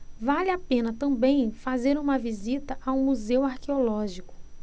vale a pena também fazer uma visita ao museu arqueológico